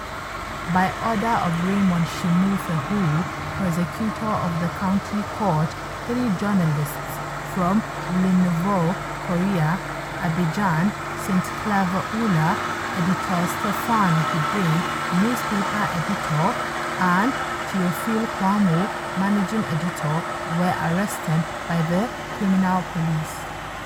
By order of Raymond Tchimou Fehou, Prosecutor of the county court, three journalists from Le Nouveau Courrier d'Abidjan, Saint Claver Oula, editor, Steéphane Guédé, newspaper editor and Théophile Kouamouo, managing editor, were arrested by the Criminal Police.